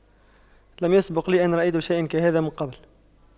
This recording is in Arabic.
لم يسبق لي أن رأيت شيء كهذا من قبل